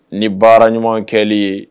Ni baara ɲuman kɛ ye